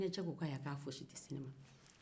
jinɛcɛ ko ayi a foyi tɛ se ne m